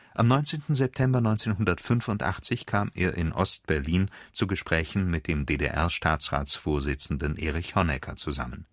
Am 19. September 1985 kam er in Ost-Berlin zu Gesprächen mit dem DDR-Staatsratsvorsitzenden Erich Honecker zusammen